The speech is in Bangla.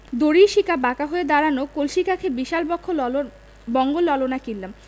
দড়ির শিকা বাঁকা হয়ে দাঁড়ানো কলসি কাঁখে বিশালা বক্ষ ললন বঙ্গ ললনা কিনলাম